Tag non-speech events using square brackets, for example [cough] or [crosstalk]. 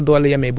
[hesitation] [hesitation]